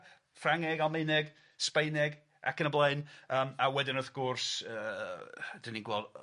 Ffrangeg, Almaeneg, Sbaeneg ac yn y blaen yym a wedyn wrth gwrs yy dan ni'n gwel'